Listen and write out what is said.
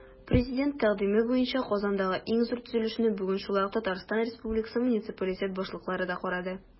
Президент тәкъдиме буенча Казандагы иң зур төзелешне бүген шулай ук ТР муниципалитет башлыклары да карады.